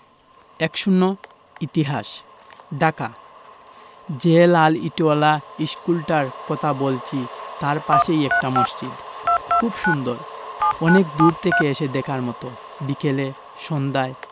১০ ইতিহাস ঢাকা যে লাল ইটোয়ালা ইশকুলটার কথা বলছি তাই পাশেই একটা মসজিদ খুব সুন্দর অনেক দূর থেকে এসে দেখার মতো বিকেলে সন্ধায়